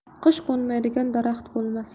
qush qo'nmaydigan daraxt bo'lmas